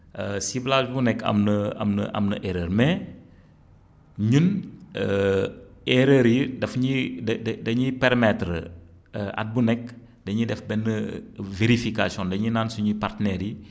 ciblage bu nekk am na am na am na erreur mais ñun erreur yi daf ñuy da da dañuy permettre at bu nekk dañuy def benn vérification dañuy naan suñuy partenaires yi